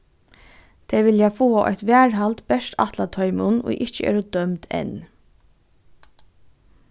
tey vilja fáa eitt varðhald bert ætlað teimum ið ikki eru dømd enn